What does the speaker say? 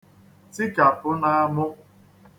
tikàpụ n'āmụ̄